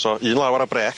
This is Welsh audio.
So un law ar y brêc.